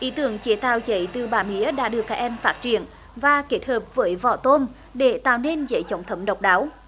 ý tưởng chế tạo giấy từ bã mía đã được các em phát triển và kết hợp với vỏ tôm để tạo nên giấy chống thấm độc đáo